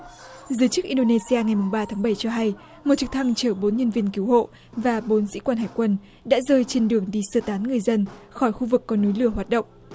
giới chức in đô nê si a ngày mùng ba tháng bảy cho hay một trực thăng chở bốn nhân viên cứu hộ và bốn sĩ quan hải quân đã rơi trên đường đi sơ tán người dân khỏi khu vực có núi lửa hoạt động